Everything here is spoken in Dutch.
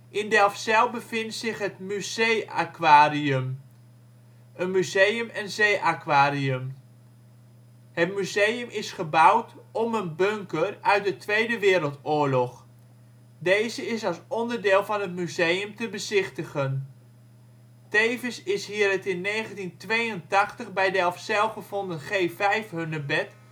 In Delfzijl bevindt zich het Muzeeaquarium, een museum en zeeaquarium. Het museum is gebouwd om een bunker uit de Tweede Wereldoorlog. Deze is als onderdeel van het museum te bezichtigen. Tevens is hier het in 1982 bij Delfzijl gevonden G5 (hunebed) tentoongesteld